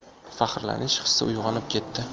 faxrlanish hissi uyg'onib ketti